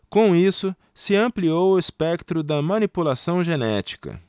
com isso se ampliou o espectro da manipulação genética